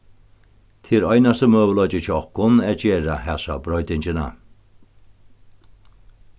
tað er einasti møguleiki hjá okkum at gera hasa broytingina